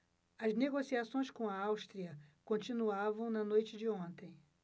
as negociações com a áustria continuavam na noite de ontem